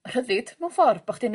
rhyddid mewn ffordd bo' chdi'n